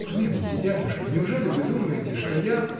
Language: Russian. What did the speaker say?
– Помилуйте, дядюшка, неужели вы думаете, что я.